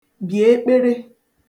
bì ekpere